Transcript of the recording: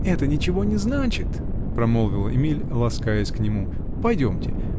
-- Это ничего не значит, -- промолвил Эмиль, ласкаясь к нему. -- Пойдемте !